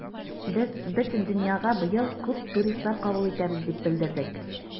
Без бөтен дөньяга быел күп туристлар кабул итәбез дип белдердек.